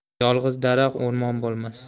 yolg'iz daraxt o'rmon bo'lmas